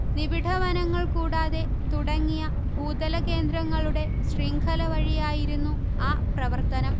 നിബിഢവനങ്ങള് കൂടാതെ തുടങ്ങിയ ഭൂതലകേന്ദ്രങ്ങളുടെ ശൃംഖല വഴിയായിരുന്നു ആ പ്രവര്ത്തനം